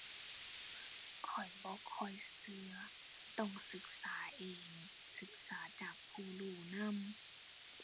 ข้อยบ่ค่อยเชื่อ ต้องศึกษาเอง ศึกษาจากผู้รู้นำ